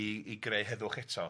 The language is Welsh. i i greu heddwch eto.